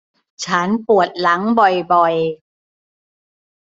ฉันปวดหลังบ่อยบ่อย